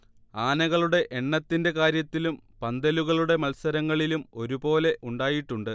ആനകളുടെ എണ്ണത്തിന്റെ കാര്യത്തിലും പന്തലുകളുടെ മത്സരങ്ങളിലും ഒരു പോലെ ഉണ്ടായിട്ടുണ്ട്